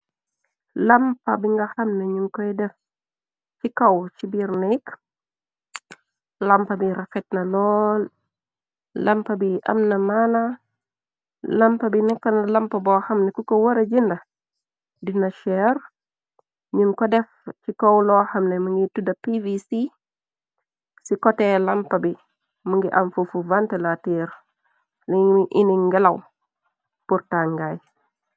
Lampa bi nga xamne ñu koy def ci kaw ci birnekk lampa bi rafetna loo lampa bi am na maana lampa bi nekkna lampa boo xamne ku ko wara jinnda dina cher ñun ko def ci kow loo xamne mi ngi tudda pvc ci kotee lampa bi më ngi am fufu vant later ini gelaw purtangaay.